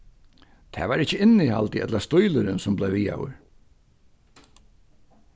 tað var ikki innihaldið ella stílurin sum bleiv vigaður